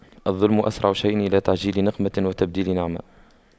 الظلم أسرع شيء إلى تعجيل نقمة وتبديل نعمة